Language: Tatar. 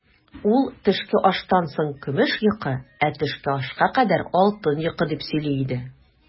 Ул, төшке аштан соң көмеш йокы, ә төшке ашка кадәр алтын йокы, дип сөйли иде.